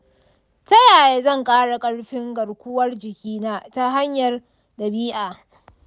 ta yaya zan ƙara ƙarfin garkuwar jikina ta hanyar dabi'a?